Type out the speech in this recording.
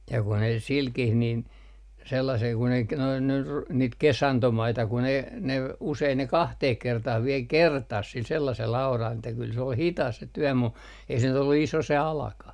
ja kun ne silläkin niin sellaisella kun ei - noin - niitä kesantomaita kun ei ne usein ne kahteen kertaan vielä kertasi sillä sellaisella auralla että kyllä se oli hidas se työ mutta ei se nyt ollut iso se alakaan